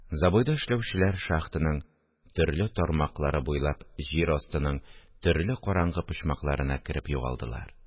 Забойда эшләүчеләр шахтаның төрле тармаклары буйлап җир астының төрле караңгы почмакларына кереп югалдылар